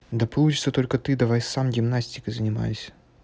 да получится только ты давай сам гимнастикой занимайся